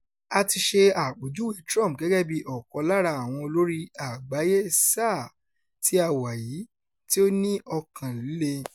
A ti ṣe àpèjúwe Trump gẹ́gẹ́ bí “ọ̀kan lára àwọn olórí àgbáyé sáà tí a wà yìí tí ó ní ọkàn líle.”